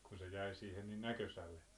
kun se jäi siihen niin näkösälle